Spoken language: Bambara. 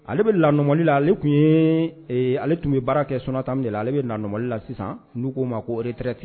Ale bɛ lali la ale tun ye ale tun bɛ baara kɛ sɔ tan ale bɛ nali la sisan n'u k'o ma ko re terikɛreti